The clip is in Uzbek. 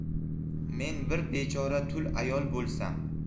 men bir bechora tul ayol bo'lsam